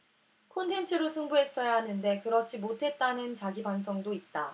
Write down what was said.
콘텐츠로 승부했어야 하는데 그렇지 못했다는 자기 반성도 있다